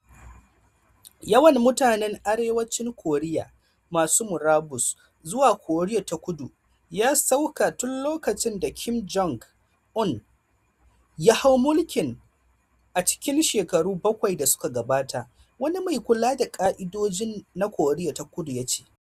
Yawan mutanen Arewacin Koriya masu murabus zuwa Korea ta Kudu ya sauka tun lokacin da Kim Jong-un ya hau mulki a cikin shekaru bakwai da suka gabata, wani mai kula da ka'idoji na Koriya ta kudu ya ce.